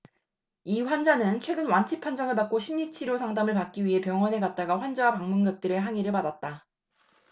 이 환자는 최근 완치 판정을 받고 심리 치료 상담을 받기 위해 병원에 갔다가 환자와 방문자들의 항의를 받았다